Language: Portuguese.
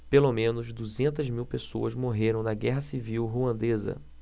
pelo menos duzentas mil pessoas morreram na guerra civil ruandesa